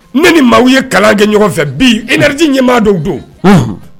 Ne ni maaw ye kalan kɛ ɲɔgɔn fɛ, bi énergie ɲɛmaa dɔ don. Ɔn!